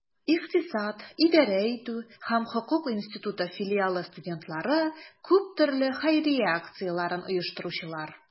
Икътисад, идарә итү һәм хокук институты филиалы студентлары - күп төрле хәйрия акцияләрен оештыручылар.